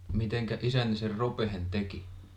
miten isänne sen ropeen teki